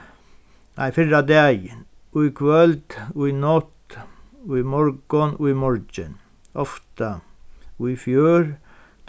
nei fyrradagin í kvøld í nátt í morgun í morgin ofta í fjør